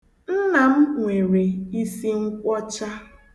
Nna m nwere isi nkwọcha.